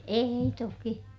ei toki